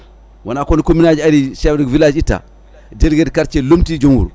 wona kode commune aji ari chef de village itta délégué de quartier lomti joom wuuro